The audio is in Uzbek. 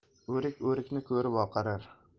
o'rik o'rikni ko'rib oqarar